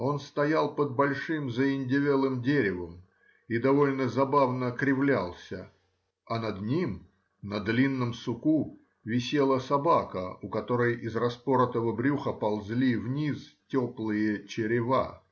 Он стоял под большим заиндевелым деревом и довольно забавно кривлялся, а над ним, на длинном суку, висела собака, у которой из распоротого брюха ползли вниз теплые черева.